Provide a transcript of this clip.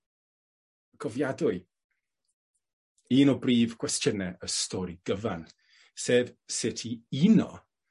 cofiadwy un o brif gwestiyne y stori gyfan, sef sut i uno